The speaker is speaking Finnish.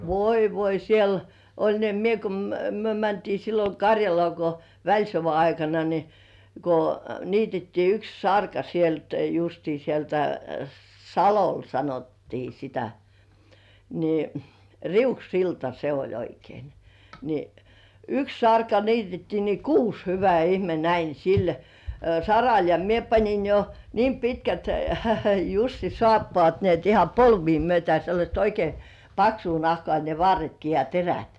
voi voi siellä oli niin että minä kun me mentiin silloin Karjalaan kun välisodan aikana niin kun niitettiin yksi sarka sieltä justiin sieltä Salolla sanottiin sitä niin Riuksilta se oli oikein niin yksi sarka niitettiin niin kuusi hyvä ihme näin sillä saralla ja minä panin jo niin pitkät Jussin saappaat niin että ihan polvia myöten sellaista oikein paksua nahkaa ne varretkin ja terät